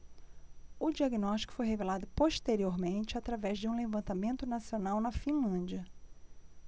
o diagnóstico foi revelado posteriormente através de um levantamento nacional na finlândia